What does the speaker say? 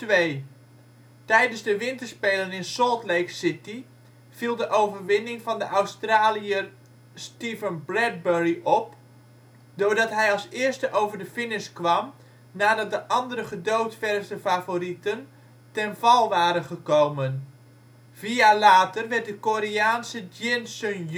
2002. Tijdens de Winterspelen in Salt Lake City viel de overwinning van de Australiër Steven Bradbury op, doordat hij als eerste over de finish kwam nadat de andere gedoodverfde favorieten ten val waren gekomen. Vier jaar later werd de Koreaanse Jin